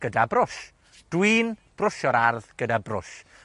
gyda brwsh. Dwi'n brwsio'r ardd gyda brwsh.